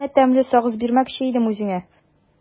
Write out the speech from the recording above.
Менә тәмле сагыз бирмәкче идем үзеңә.